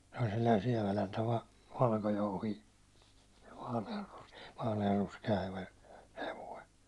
se oli sellainen sieväläntä - valkojouhi - vaaleanruskea - hevonen